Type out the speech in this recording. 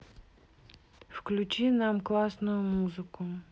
включи нам классную музыку